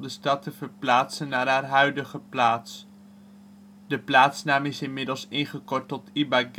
stad te verplaatsen naar haar huidige plaats. De plaatsnaam is inmiddels ingekort tot Ibagué